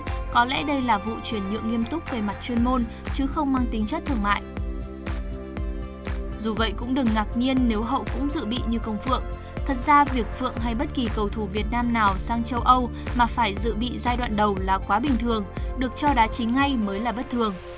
có lẽ đây là vụ chuyển nhượng nghiêm túc về mặt chuyên môn chứ không mang tính chất thương mại dù vậy cũng đừng ngạc nhiên nếu hậu cũng dự bị như công phượng thật ra việc phượng hay bất kỳ cầu thủ việt nam nào sang châu âu mà phải dự bị giai đoạn đầu là quá bình thường được cho đá chính ngay mới là bất thường